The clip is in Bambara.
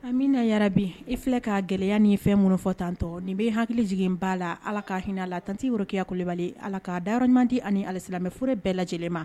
A min na yɛrɛ bi e filɛ k ka gɛlɛyaya ni fɛn mun fɔ tantɔ nin bɛ hakili jigin in ba la ala ka hinɛ la tanteurkiyalibali ala ka dayɔrɔ ɲumandi ani alisimɛ foro bɛɛ lajɛlenma